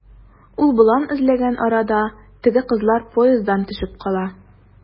Ул болан эзләгән арада, теге кызлар поезддан төшеп кала.